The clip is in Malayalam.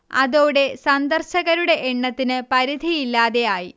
അതോടെ സന്ദർശകരുടെ എണ്ണത്തിന് പരിധിയില്ലാതെ ആയി